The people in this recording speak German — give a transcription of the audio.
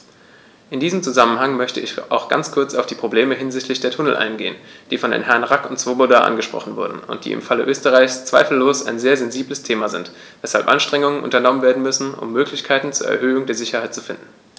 In diesem Zusammenhang möchte ich auch ganz kurz auf die Probleme hinsichtlich der Tunnel eingehen, die von den Herren Rack und Swoboda angesprochen wurden und die im Falle Österreichs zweifellos ein sehr sensibles Thema sind, weshalb Anstrengungen unternommen werden müssen, um Möglichkeiten zur Erhöhung der Sicherheit zu finden.